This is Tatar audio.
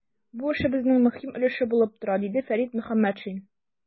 Бу эшебезнең мөһим өлеше булып тора, - диде Фәрит Мөхәммәтшин.